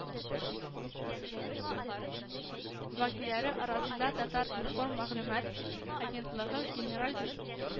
Вәкилләре арасында “татар-информ” мәгълүмат агентлыгы генераль ди